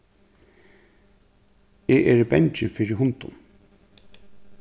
eg eri bangin fyri hundum